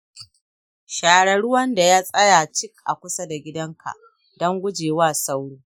share ruwan da ya tsaya cik a kusa da gidanka don gujewa sauro